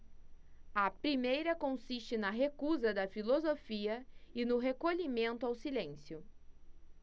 a primeira consiste na recusa da filosofia e no recolhimento ao silêncio